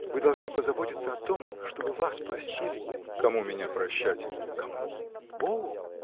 Вы должны позаботиться о том, чтобы вас простили. -- Кому меня прощать? -- Кому? Богу.